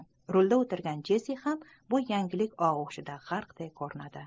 rulda o'tirgan jessi ham bu yangilik og'ushida g'arqday ko'rinadi